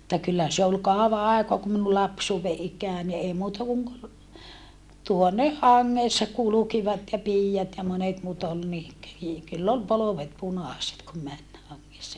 mutta kyllä se oli kauan aikaa kun minun lapsuuden ikää niin ei muuta kuin tuonne hangessa kulkivat ja piiat ja monet muut oli niin kuin - kyllä oli polvet punaiset kun meni hangessa